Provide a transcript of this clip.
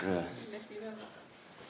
Ie. Dwi methu fel...